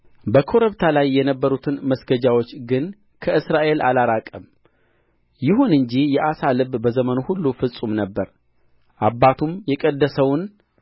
በኮረብታ ላይ የነበሩትን መስገጃዎች ግን ከእስራኤል አላራቀም ይሁን እንጂ የአሳ ልብ በዘመኑ ሁሉ ፍጹም ነበረ አባቱም የቀደሰውን